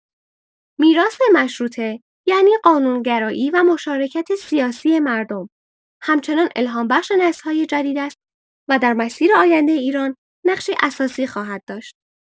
میراث مشروطه، یعنی قانون‌گرایی و مشارکت سیاسی مردم، همچنان الهام‌بخش نسل‌های جدید است و در مسیر آینده ایران نقشی اساسی خواهد داشت.